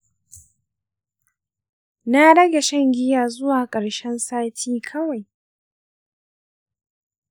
na rage shan giya zuwa karshen sati kawai.